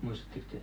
muistattekos te